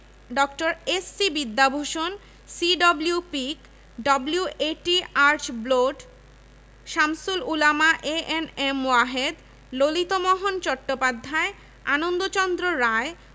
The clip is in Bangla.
G W. Kulchar Dr. Rashbehari Ghosh Robert Nathan Nawab Syed Nawab Ali Chowdhury H R. James Nawab Sirajul Islam বাম থেকে দাঁড়ানো